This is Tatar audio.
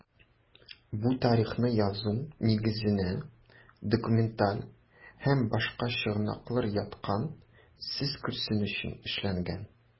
Бу тарихны язу нигезенә документаль һәм башка чыгынаклыр ятканын сез күрсен өчен эшләнгән.